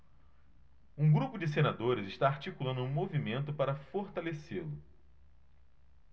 um grupo de senadores está articulando um movimento para fortalecê-lo